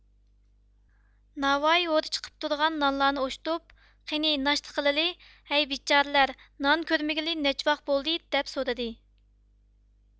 ناۋاي ھور چىقىپ تۇرغان نانلارنى ئوشتۇپ قېنى ناشتا قىلىلى ھەي بىچارىلەر نان كۆرمىگىلى نەچچە ۋاخ بولدى دەپ سورىدى